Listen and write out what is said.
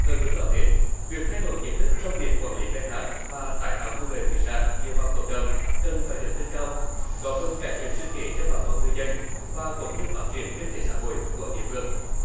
hơn lúc nào hết việc thay đổi nhận thức trong việc quản lý khai thác và tái tạo nguồn lợi thủy sản dựa vào cộng đồng cần phải được nâng cao góp phần cải thiện sinh kế cho bà con ngư dân và cũng như phát triển kinh tế xã hội của địa phương